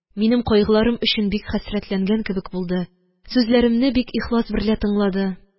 Минем кайгыларым өчен бик хәсрәтләнгән кебек булды. Сүзләремне бик ихлас берлә тыңлады.